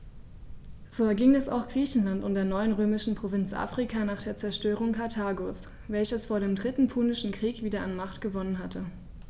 So erging es auch Griechenland und der neuen römischen Provinz Afrika nach der Zerstörung Karthagos, welches vor dem Dritten Punischen Krieg wieder an Macht gewonnen hatte.